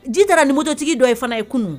Ji taara numututigi dɔ i fana ye kunun